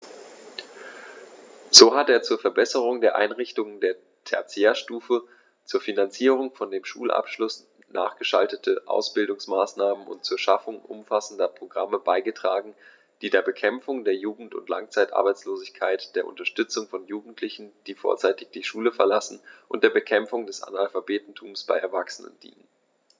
So hat er zur Verbesserung der Einrichtungen der Tertiärstufe, zur Finanzierung von dem Schulabschluß nachgeschalteten Ausbildungsmaßnahmen und zur Schaffung umfassender Programme beigetragen, die der Bekämpfung der Jugend- und Langzeitarbeitslosigkeit, der Unterstützung von Jugendlichen, die vorzeitig die Schule verlassen, und der Bekämpfung des Analphabetentums bei Erwachsenen dienen.